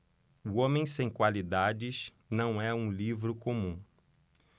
o homem sem qualidades não é um livro comum